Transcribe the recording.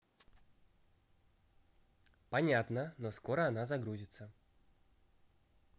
понятно но скоро она загрузится